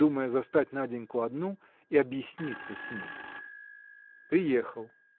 думая застать Наденьку одну и объясниться с ней. Приехал.